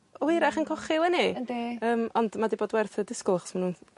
Wyrach yn cochi fynny? Yndi. Yym ond ma' 'di bod werth y disgwl achos ma' nw'n